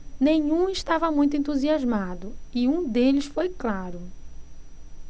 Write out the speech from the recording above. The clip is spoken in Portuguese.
nenhum estava muito entusiasmado e um deles foi claro